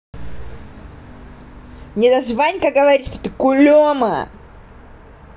мне даже ванька говорить что ты кулема